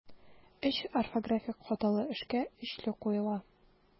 Өч орфографик хаталы эшкә өчле куела.